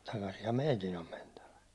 takasinhan meidän on mentävä